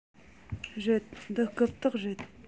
རེད འདི རྐུབ སྟེགས རེད